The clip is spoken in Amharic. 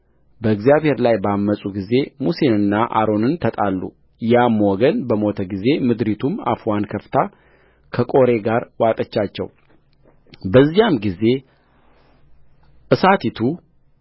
በእግዚአብሔር ላይ ባመፁ ጊዜ ሙሴንና አሮንን ተጣሉያም ወገን በሞተ ጊዜ ምድሪቱ አፍዋን ከፍታ ከቆሬ ጋር ዋጠቻቸው በዚያም ጊዜ እሳቲቱ